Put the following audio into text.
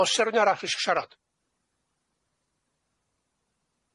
O's 'na rywun arall isio siarad?